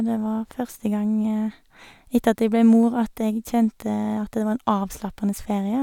Det var første gang etter at jeg ble mor at jeg kjente at det var en avslappende ferie.